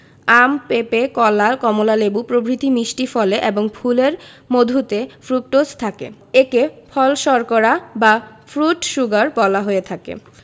আম পেপে কলা কমলালেবু প্রভৃতি মিষ্টি ফলে এবং ফুলের মধুতে ফ্রুকটোজ থাকে একে ফল শর্করা বা ফ্রুট শুগার বলা হয়ে থাকে